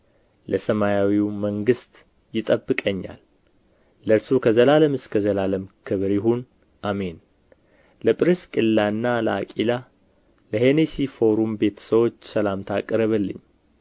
ለሰማያዊውም መንግሥት ይጠብቀኛል ለእርሱ ከዘላለም እስከ ዘላለም ክብር ይሁን አሜን ለጵርስቅላና ለአቂላ ለሄኔሲፎሩም ቤተ ሰዎች ሰላምታ አቅርብልኝ